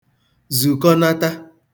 zùkọnata